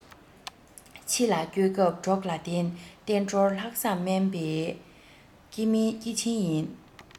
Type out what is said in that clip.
ཕྱི ལ སྐྱོད སྐབས གྲོགས ལ བརྟེན བསྟན འགྲོར ལྷག བསམ སྨན པའི སྐྱེ ཆེན ཡིན